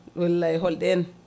wallay holɗen